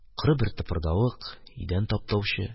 Коры бер тыпырдавык. Идән таптаучы